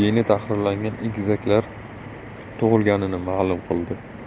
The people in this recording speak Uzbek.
geni tahrirlangan egizaklar tug'ilganini ma'lum qildi